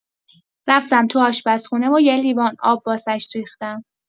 رفتم تو آشپزخونه و یه لیوان آب واسش ریختم